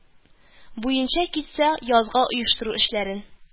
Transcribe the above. Буенча китсә, язга оештыру эшләрен